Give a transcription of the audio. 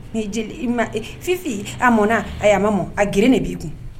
Ni fifi a mɔna ? Ayi a ma mɔn a geren de bi kun.